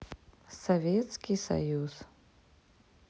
советский союз